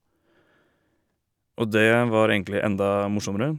Og det var egentlig enda morsommere.